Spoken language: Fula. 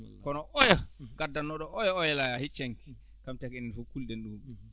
kono oya ngaddannooɗo oya ayola hecci hanki kanko tagi enen fof kulɗen ɗum